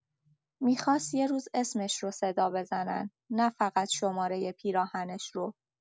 می‌خواست یه روز اسمش رو صدا بزنن، نه‌فقط شماره پیراهنش رو.